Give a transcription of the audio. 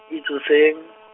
Itsoseng.